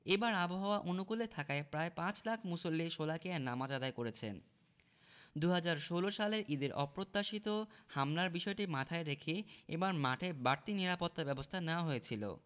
এবার আবহাওয়া অনুকূলে থাকায় প্রায় পাঁচ লাখ মুসল্লি শোলাকিয়ায় নামাজ আদায় করেছেন ২০১৬ সালের ঈদের অপ্রত্যাশিত হামলার বিষয়টি মাথায় রেখে এবার মাঠে বাড়তি নিরাপত্তাব্যবস্থা নেওয়া হয়েছিল